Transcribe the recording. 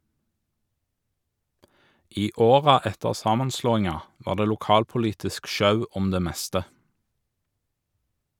I åra etter samanslåinga var det lokalpolitisk sjau om det meste.